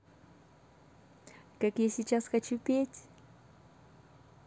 как я сейчас хочу петь